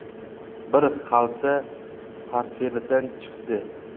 bir xalta portfelidan chiqdi